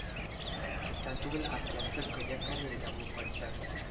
Күптән түгел оркестр көньяк кореяда булып кайтты